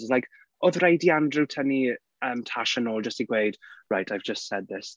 He's like oedd rhaid i Andrew tynnu yym Tash yn ôl jyst i gweud "right, I've just said this."